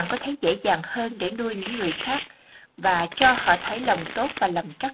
bạn có thấy dễ dàng hơn để nuôi dưỡng người khác và cho họ thấy lòng tốt và lòng trắc ẩn